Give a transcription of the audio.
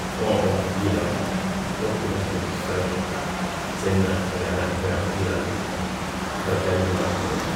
Og å v gi dem godt utgangspunkt for seinere karriere ved å gi dem karaktergrunnlag som er godt.